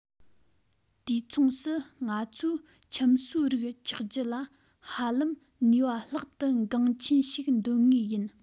དུས མཚུངས སུ ང ཚོའི ཁྱིམ གསོས རིགས ཆགས རྒྱུ ལ ཧ ལམ ནུས པ ལྷག ཏུ འགངས ཆེན ཞིག འདོན ངེས ཡིན